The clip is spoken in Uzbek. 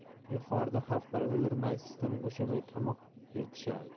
yuqorida xalqparvarlar majlisdan bo'shamay tomoq yirtishadi